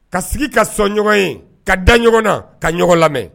Ka sigi ka sɔn ɲɔgɔn ye ka da ɲɔgɔn na ka ɲɔgɔn lamɛn.